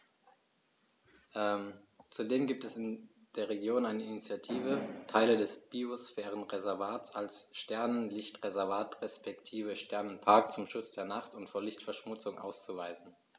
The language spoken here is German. Zudem gibt es in der Region eine Initiative, Teile des Biosphärenreservats als Sternenlicht-Reservat respektive Sternenpark zum Schutz der Nacht und vor Lichtverschmutzung auszuweisen.